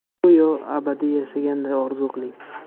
go'yo abadiy yashaganday orzu qiling